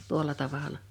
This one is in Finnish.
tuolla tavalla